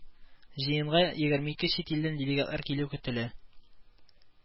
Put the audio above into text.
Җыенга егерме ике чит илдән делегатлар килү көтелә